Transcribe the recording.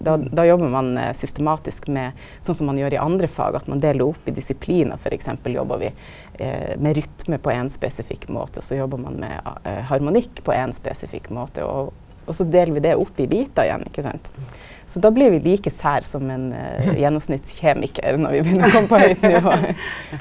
då då jobbar ein systematisk med sånn som ein gjer i andre fag at ein deler det opp i disiplinar f.eks. jobbar vi med rytme på ein spesifikk måte, og så jobbar ein med harmonikk på ein spesifikk måte, og og så delar vi det opp i bitar igjen ikkje sant så då blir vi like sære som ein gjennomsnittskjemikar når vi begynner å komma på høgt nivå.